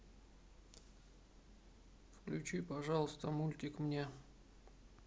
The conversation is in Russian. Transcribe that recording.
пожалуйста включи мультик мне